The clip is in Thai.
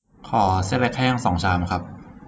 ขอเส้นเล็กแห้งสองชามครับ